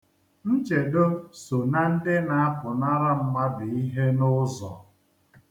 Nchedo so na ndị na-apụnara mmadụ ihe n'ụzọ.